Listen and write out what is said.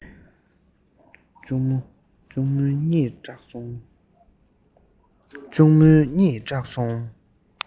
གཅུང མོའི གཉིད དཀྲོགས སོང